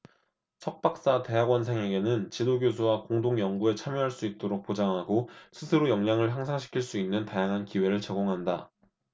석 박사 대학원생에게는 지도교수와 공동 연구에 참여할 수 있도록 보장하고 스스로 역량을 향상시킬 수 있는 다양한 기회를 제공한다